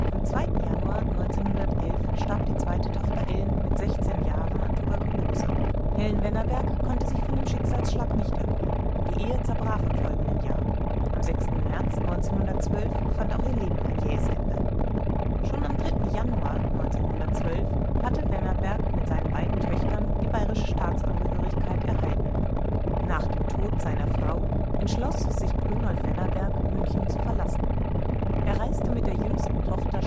2. Januar 1911 starb die zweite Tochter Ellen mit sechzehn Jahren an Tuberkulose. Helene Wennerberg konnte sich von dem Schicksalsschlag nicht erholen. Die Ehe zerbrach im folgenden Jahr. Am 6. März 1912 fand auch ihr Leben ein jähes Ende. Schon am 3. Januar 1912 hatte Wennerberg mit seinen beiden Töchtern die bayerische Staatsangehörigkeit erhalten. Nach dem Tod seiner Frau entschloss sich Brynolf Wennerberg, München zu verlassen. Er reiste mit der jüngsten Tochter Charlotte